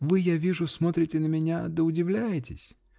-- Вы, я вижу, смотрите на меня да удивляетесь.